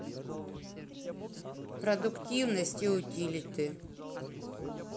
продуктивность и утилиты